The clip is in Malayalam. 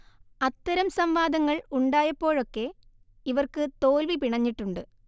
അത്തരം സംവാദങ്ങൾ ഉണ്ടായപ്പോഴൊക്കെ ഇവർക്ക് തോൽവി പിണഞ്ഞിട്ടുണ്ട്